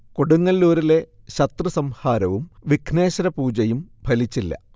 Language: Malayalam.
കൊടുങ്ങല്ലൂരിലെ ശത്രു സംഹാരവും വിഘ്നേശ്വര പൂജയും ഫലിച്ചില്ല